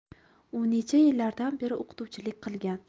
u necha yillardan beri o'qituvchilik qilgan